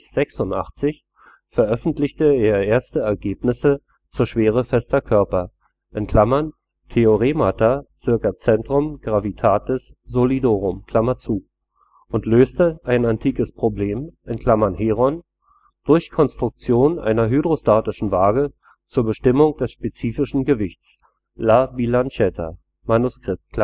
1585/86 veröffentlichte er erste Ergebnisse zur Schwere fester Körper (Theoremata circa centrum gravitatis solidorum) und löste ein antikes Problem (Heron) durch Konstruktion einer hydrostatischen Waage zur Bestimmung des spezifischen Gewichts (La bilancetta, Manuskript